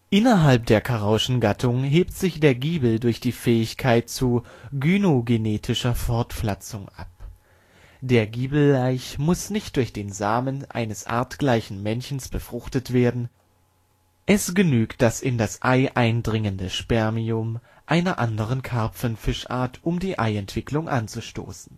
Innerhalb der Karauschengattung hebt sich der Giebel durch die Fähigkeit zu gynogenetischer Fortpflanzung ab. Der Giebellaich muss nicht durch den Samen eines artgleichen Männchens befruchtet werden, es genügt das in das Ei eindringende Spermium einer anderen Karpfenfischart, um die Eientwicklung anzustossen